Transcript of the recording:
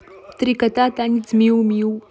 три кота танец миу миу